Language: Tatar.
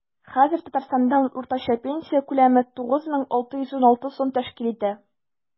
Хәзер Татарстанда уртача пенсия күләме 9616 сум тәшкил итә.